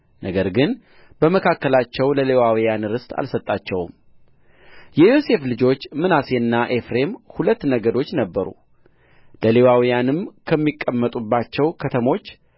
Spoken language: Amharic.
ነገር ግን በመካከላቸው ለሌዋውያን ርስት አልሰጣቸውም የዮሴፍ ልጆች ምናሴና ኤፍሬም ሁለት ነገዶች ነበሩ ለሌዋውያንም ከሚቀመጡባቸው ከተሞች